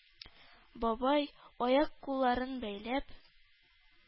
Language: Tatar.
Бабай, аяк-кулларын бәйләп,